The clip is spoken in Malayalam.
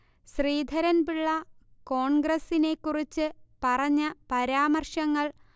ശ്രീധരൻപിള്ള കോൺഗ്രസിനെ കുറിച്ച് പറഞ്ഞ പരാമർശങ്ങൾ